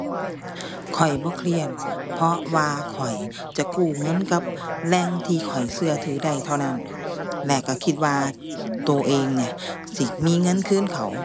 ข้อยบ่เครียด เพราะว่าข้อยจะกู้เงินกับแหล่งที่ข้อยเชื่อถือได้เท่านั้น และเชื่อคิดว่าเชื่อเองเนี่ยสิมีเงินคืนเขา